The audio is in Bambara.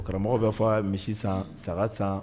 Karamɔgɔ bɛ fɔ misi san saga san